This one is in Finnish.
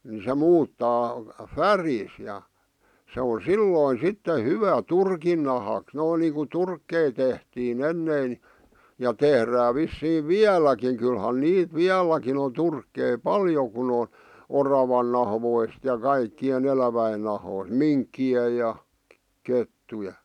se muuttaa värinsä ja se on silloin sitten hyvä turkin nahaksi noin niin kuin turkkeja tehtiin ennen niin ja tehdään vissiin vieläkin kyllähän niitä vieläkin on turkkeja paljon kun on oravan nahoista ja kaikkien elävien nahoista minkkien ja kettujen